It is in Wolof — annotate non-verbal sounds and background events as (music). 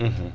(hesitation) (hesitation)